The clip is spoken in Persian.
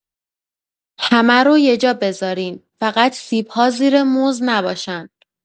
همه رو یه جا بذارین، فقط سیب‌ها زیر موز نباشن.